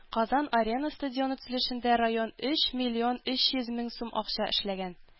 “казан-арена” стадионы төзелешендә район өч миллион өч йөз мең сум акча эшләгән.